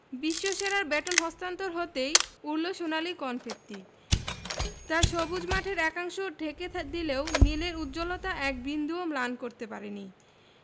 বিশ্বসেরার baton হস্তান্তর হতেই উড়ল সোনালি কনফেত্তি তা সবুজ মাঠের একাংশ ঢেকে দিলেও নীলের উজ্জ্বলতা এক বিন্দুও ম্লান করতে পারেনি